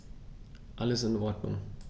Alles in Ordnung.